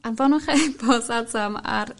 anfonwch e-bost atom ar...